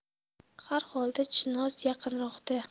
harholda chinoz yaqinroqda